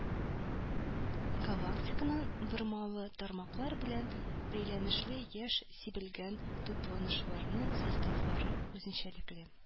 Галактиканың бормалы тармаклар белән бәйләнешле яшь сибелгән тупланышларның составлары үзенчәлекле